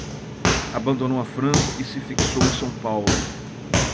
abandonou a frança e se fixou em são paulo